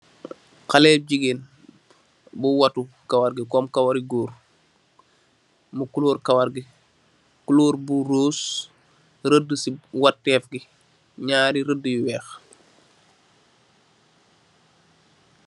Xalèh gigeen bu watu kawarr ngi kom kawarru gór. Kolour kawarr ngi kolour bu ruus redd ci kawarr ngi ñaari redd yu wèèx.